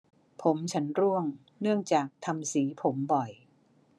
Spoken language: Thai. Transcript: ผมฉันร่วงเนื่องจากทำสีผมบ่อย